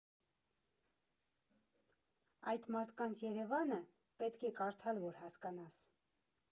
Այդ մարդկանց՝ Երևանը, պետք է կարդալ, որ հասկանաս։